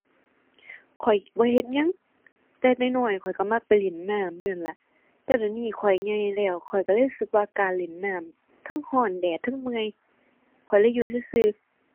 ข้อยบ่เฮ็ดหยัง แต่น้อยน้อยข้อยก็มักไปเล่นน้ำอยู่นั่นล่ะ แต่เดี๋ยวนี้ข้อยใหญ่แล้ว ข้อยก็เลยรู้สึกว่าการเล่นน้ำ เทิงก็แดดเทิงเมื่อย ข้อยเลยอยู่ซื่อซื่อ